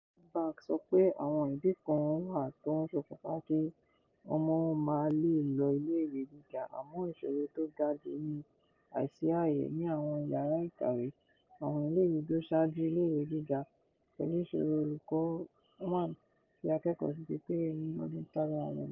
World bank sọ pé, Àwọn ìdí kan wà tó ń ṣokùnfà kí ọmọ mà lè lọ iléèwé gíga àmọ́ ìṣòro tó ga jù ni àìsí ààyè ní àwọn ìyàrá ìkàwé àwọn iléèwé tó ṣáájú iléèwé gíga, pẹ̀lú ìṣirò olùkọ́ 1 sí akẹ́kọ̀ọ́ 63 ní ọdún 2011